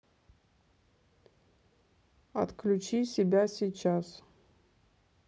отключи себя сейчас